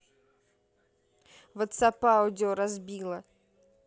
whatsapp audio разбила